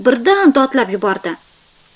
birdan dodlab yubordi